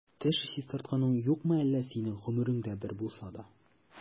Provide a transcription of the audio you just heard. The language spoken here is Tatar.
Теш чистартканың юкмы әллә синең гомереңдә бер булса да?